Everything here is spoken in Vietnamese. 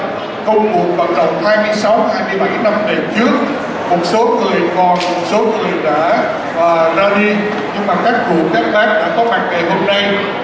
công cuộc vận động hai mươi sáu hai mươi bảy năm về trước một số người còn một số người đã ra đi nhưng mà các cụ bác các đã có mặt ngày hôm nay